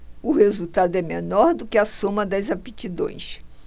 o resultado é menor do que a soma das aptidões